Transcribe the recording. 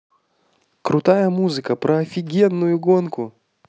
крутая музыка про офигенную гонку